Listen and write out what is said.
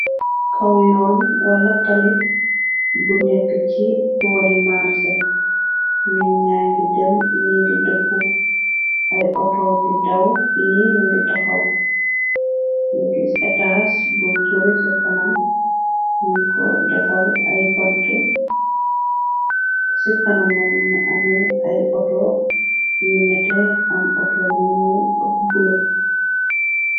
Kaw yoon wala tali bu nekk ci boori marsé, miñ ñaa ngi dem ni di dëpp, ay auto ngi daw yi ni ngi taxaw, lu gis etas bu suri kanam min ko defal ay bant, ci kanamanga anee ay auto yu nete am auto ñuul , bulo.